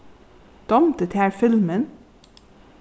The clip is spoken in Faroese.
dámdi tær filmin